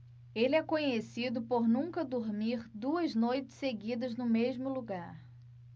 ele é conhecido por nunca dormir duas noites seguidas no mesmo lugar